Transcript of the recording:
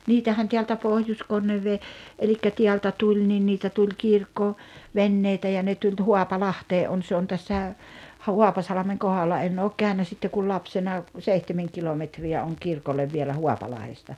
niitähän täältä Pohjois-Konneveden eli täältä tuli niin niitä tuli - kirkkoveneitä ja ne tuli Haapalahteen on se on tässä Haapasalmen kohdalla en ole käynyt sitten kuin lapsena seitsemän kilometriä on kirkolle vielä Haapalahdesta